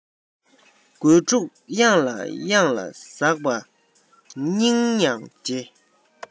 རྒོད ཕྲུག གཡང ལ གཡང ལ ཟགས པ སྙིང ཡང རྗེ